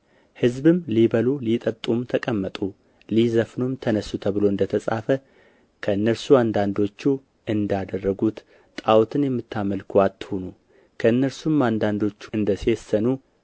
ሕዝብም ሊበሉ ሊጠጡም ተቀመጡ ሊዘፍኑም ተነሡ ተብሎ እንደ ተጻፈ ከእነርሱ አንዳንዶቹ እንዳደረጉት ጣዖትን የምታመልኩ አትሁኑ ከእነርሱም አንዳንዶቹ እንደ ሴሰኑ